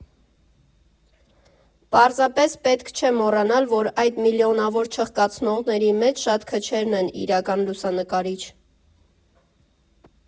Պարզապես պետք չէ մոռանալ, որ այդ միլիոնավոր «չխկացնողների» մեջ շատ քչերն են իրական լուսանկարիչ։